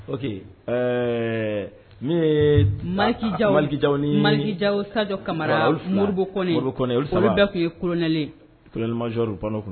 Parce que ɛɛ marikijajawo malikijasajɔ kamara moribok moriɛ bɛɛ tun ye kolonɛlenlamajoro pan kɔnɔ